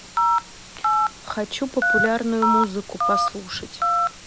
хочу популярную музыку послушать